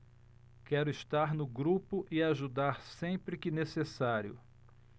quero estar no grupo e ajudar sempre que necessário